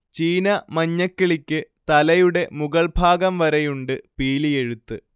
ചീന മഞ്ഞക്കിളിക്ക് തലയുടെ മുകൾഭാഗം വരെയുണ്ട് പീലിയെഴുത്ത്